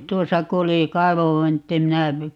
tuossa kun oli kaivonvintti minä